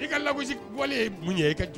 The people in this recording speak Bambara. I ka lasi wale ye mun ye ka